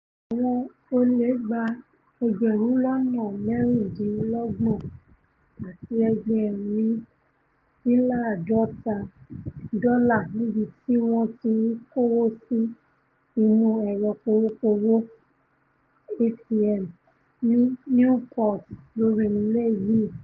Àwọn olè gba ẹgbẹ́rùn lọ́nà mẹ́rìndínlọ́gbọ̀n àti ẹgbẹ̀rindíńlá́àádọ́ta dọ́là níbití wọ́n ti ńkówósí inú ẹ̀rọ pọwọ́-pọwọ́ ATM ní Newport lórí Levee